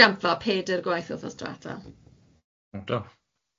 peder gwaith wsos dwetha... O do?